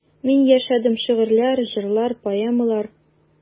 Мин яшәдем: шигырьләр, җырлар, поэмалар.